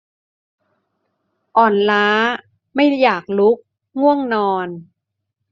อ่อนล้าไม่อยากลุกง่วงนอน